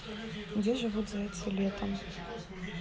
где живут зайцы летом